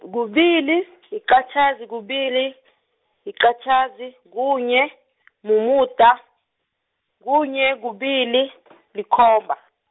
kubili, yiqatjhazi kubili, yiqatjhazi kunye , mumuda, kunye kubili , likhomba.